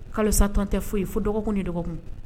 Kalosa tɔn tɛ foyi ye fo dɔgɔkun ni dɔgɔ